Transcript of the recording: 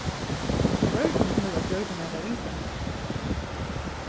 hvørgin teirra gjørdu nakað við tað